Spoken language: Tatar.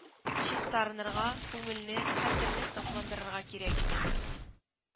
Чистарынырга, күңелне, хәтерне сафландырырга кирәк иде